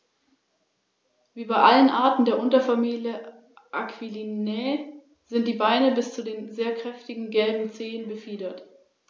Auffallend ist neben der für Adler typischen starken Fingerung der Handschwingen der relativ lange, nur leicht gerundete Schwanz.